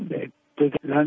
về